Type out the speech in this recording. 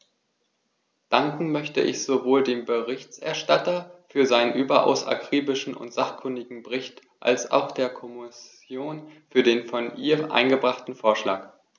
Danken möchte ich sowohl dem Berichterstatter für seinen überaus akribischen und sachkundigen Bericht als auch der Kommission für den von ihr eingebrachten Vorschlag.